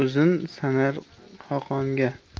o'zin sanar xoqonga